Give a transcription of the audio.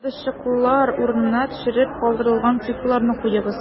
Йолдызчыклар урынына төшереп калдырылган цифрларны куегыз: